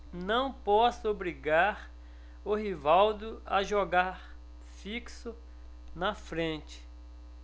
não posso obrigar o rivaldo a jogar fixo na frente